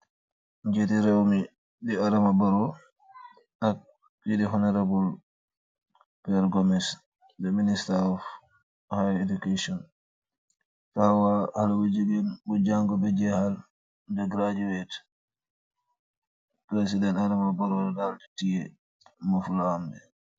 Njeeti reew me di adama barrow ak leedii honorable pire gomez d minister of high education tahaw waa haleh bu jigeen bu janga beh janga beh jehaal beh graduate president adama barrow daal dii teyeh mof lu wambi.